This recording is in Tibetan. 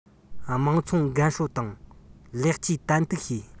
དམངས འཚོ འགན སྲུང དང ལེགས བཅོས ཏན ཏིག བྱས